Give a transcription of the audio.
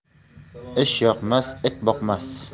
ishyoqmasga it boqmas